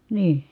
niin